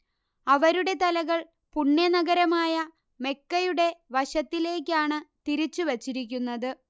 അവരുടെ തലകൾ പുണ്യ നഗരമായ മെക്കയുടെ വശത്തിലേക്കാണ് തിരിച്ചു വച്ചിരിക്കുന്നത്